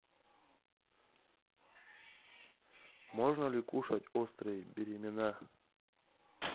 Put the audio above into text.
можно ли кушать острые беременна